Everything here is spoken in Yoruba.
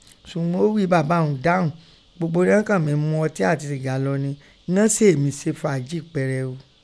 Sugbọn o ghíi bàbaà un dáhùn, gbogbo righọn kan mi mu ọti ati siga lọ ni, ighọn sèè mí se faaji pẹrẹu.